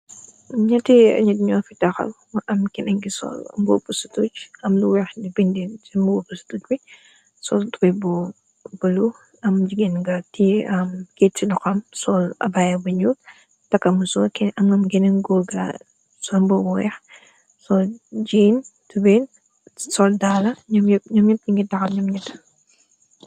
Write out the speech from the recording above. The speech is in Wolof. Nyetti ay nit nyo fi daxaw mu am kenengi sool mbopp ci tuj am lu weex di bind ci mboobu ci tuj bi sol try bu bëlu am jigen nga ti am geet ci lu xam sol abaye bu ñug takamu so angam genen góor ga son bobu weex so jiin tubeen sol daala ñoom ñept ngi taxal ñoom ñeta.